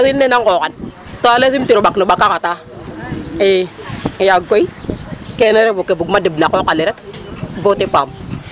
Yaam ɓasil ne na nqooxan to alee simtir o ɓak no ɓak a xata i yaag koy ke refu ke buga deɓ na qooq ale rek bo te paam.